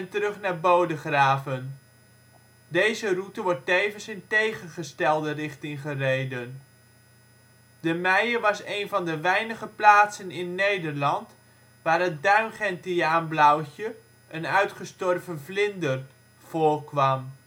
terug naar Bodegraven. Deze route wordt tevens in tegengestelde richting gereden. De Meije was een van de weinige plaatsen in Nederland waar het Duingentiaanblauwtje (een uitgestorven vlinder) voorkwam